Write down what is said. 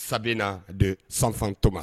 Sabu na don sanfantɔma